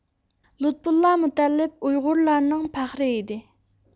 لۇتپۇللا مۇتەللىپ ئۇيغۇرلارنىڭ پەخرى ئىدى